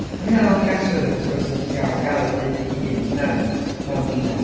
ma' hynna'n dda am dinasoedd a wedyn timod, ti'n gallu cael gardd d- dy hun tu mewn, mewn dinas.